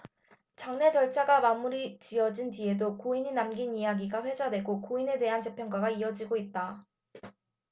장례 절차가 마무리지어진 뒤에도 고인이 남긴 이야기가 회자되고 고인에 대한 재평가가 이어지고 있다